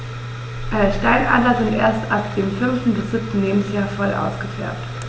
Steinadler sind erst ab dem 5. bis 7. Lebensjahr voll ausgefärbt.